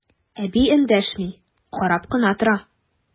Әби эндәшми, карап кына тора.